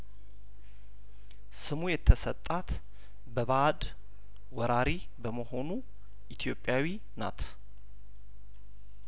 ስሙ የተሰጣት በባእድ ወራሪ በመሆኑ ኢትዮጵያዊ ናት